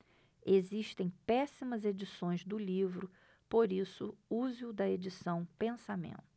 existem péssimas edições do livro por isso use o da edição pensamento